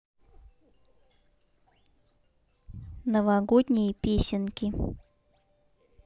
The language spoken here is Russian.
новогодние песенки